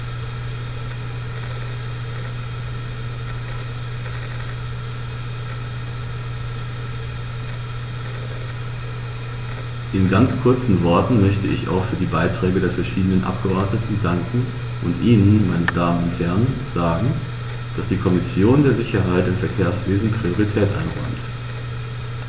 In ganz kurzen Worten möchte ich auch für die Beiträge der verschiedenen Abgeordneten danken und Ihnen, meine Damen und Herren, sagen, dass die Kommission der Sicherheit im Verkehrswesen Priorität einräumt.